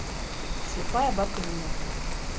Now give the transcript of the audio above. слепая бабка нина